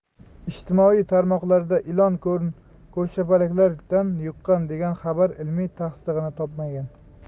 ijtimoiy tarmoqlarda ilon ko'rshapalakdan yuqqan degan xabarlar ilmiy tasdig'ini topmagan